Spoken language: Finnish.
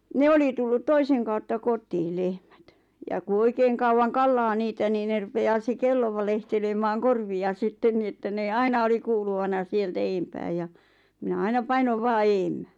ne oli tullut toisen kautta kotiin lehmät ja kun oikein kauan kallaa niitä niin ne rupeaa se kello valehtelemaan korvia sitten niin että ne aina oli kuuluvana sieltä edempää ja minä aina painoin vain edemmäs